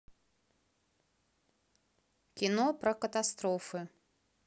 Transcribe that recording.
кино про катастрофы